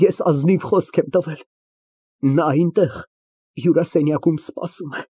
Ես ազնիվ խոսք եմ տվել։ Նա այնտեղ, հյուրասենյակում սպասում է։